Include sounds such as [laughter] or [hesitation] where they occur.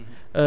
[hesitation] [hesitation]